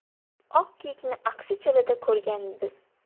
oq kiyikni axsi cho'lida ko'rganbiz